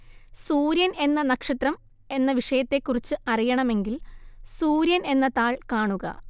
സൂര്യന്‍ എന്ന നക്ഷത്രം എന്ന വിഷയത്തെക്കുറിച്ച് അറിയണമെങ്കില്‍ സൂര്യന്‍ എന്ന താള്‍ കാണുക